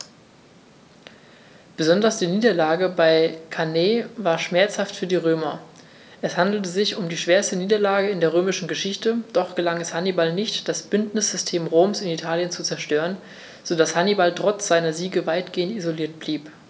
Besonders die Niederlage bei Cannae war schmerzhaft für die Römer: Es handelte sich um die schwerste Niederlage in der römischen Geschichte, doch gelang es Hannibal nicht, das Bündnissystem Roms in Italien zu zerstören, sodass Hannibal trotz seiner Siege weitgehend isoliert blieb.